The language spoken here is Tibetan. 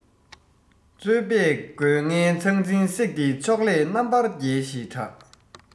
རྩོད པས རྒོལ ངན ཚང ཚིང བསྲེགས ཏེ ཕྱོགས ལས རྣམ པར རྒྱལ ཞེས གྲགས